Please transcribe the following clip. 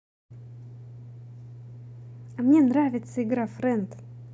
а мне нравится игра френд